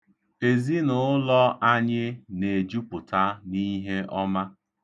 Ezinụụlọ anyị na-ejupụta n'ihe ọma.